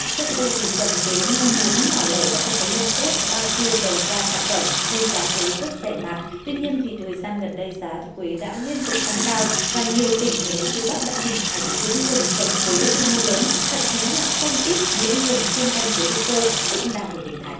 trước đây thì trồng quế manh mún nhỏ lẻ và không có liên kết bao tiêu đầu ra sản phẩm nên giá quế rất rẻ mạt tuy nhiên thì thời gian gần đây giá quế đã liên tục tăng cao và nhiều tỉnh miền núi phía bắc đã hình thành những vùng trồng quế quy mô lớn thậm chí là không ít những vùng chuyên canh quế hữu cơ cũng đạt được hình thành